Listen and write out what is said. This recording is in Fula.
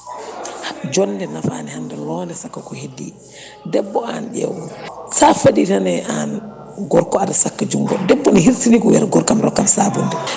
jodde nafani hande loonde saaka ko heddi debbo an Ƴew sa fadi tan e an gorko aɗa sakka junggo debbo ne hersini ko wiyata gorkam rokkam sabunde